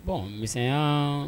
Bɔn miya